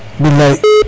bilay